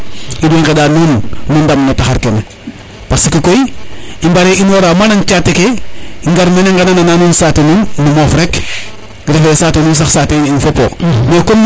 in way ŋeɗa nuun nu ndam no taxar kene parce que koy i mbare inora mana cate ke ngar mene ngene nuun saate nuun nu moof rek refe saate nuun sax sate in in fopo mais comme